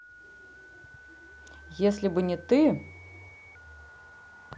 если бы не ты